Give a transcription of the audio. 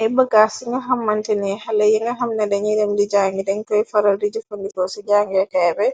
Ay bëggaas ci nga xamanteni xale yi nga xamne dañuy dem di jangi deñ koy faral di jëfandikoo ci jàngee kaabe.